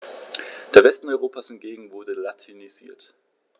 Der Westen Europas hingegen wurde latinisiert.